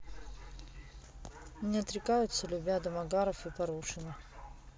не отрекаются любя домогаров и порушены